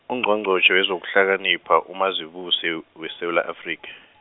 Ungqongqotjhe wezokuhlakanipha uMazibuse w- weSewula Afrika.